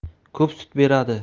suti yog'li sigirnikiga o'xshaydi